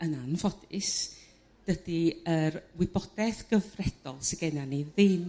yn anffodus dydi yr wybod'eth gyfredol sydd gennan ni ddim